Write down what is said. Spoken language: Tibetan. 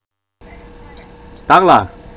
བདག ལ